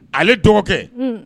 Ale dɔgɔkɛ. Un.